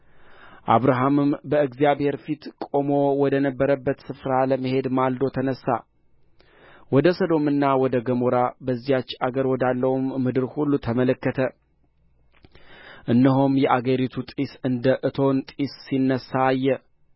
አብርሃምም በእግዚአብሔር ፊት ቆሞ ወደ ነበረበት ስፍራ ለመሄድ ማልዶ ተነሣ ወደ ሰዶምና ወደ ገሞራ በዚያች አገር ወዳለውም ምድር ሁሉ ተመለከተ እነሆም የአገሪቱ ጢስ እንደ እቶን ጢስ ሲነሣ አየ